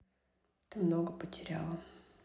ты много потеряла